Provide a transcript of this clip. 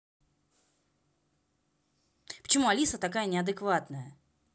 почему алиса такая неадекватная